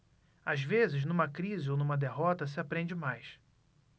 às vezes numa crise ou numa derrota se aprende mais